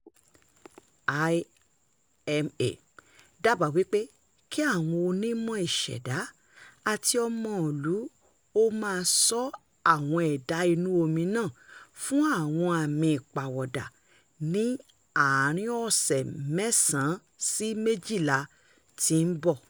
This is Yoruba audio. IMA dábàá wípé kí àwọn onímọ̀ ìṣẹ̀dá àti ọmọ ìlú ó máa ṣọ́ àwọn ẹ̀dá inú omi náà fún àwọn àmì ìpàwọ̀dà ní àárín-in ọ̀sẹ̀ mẹ́sàn-án sí méjìlá tí ó ń bọ̀.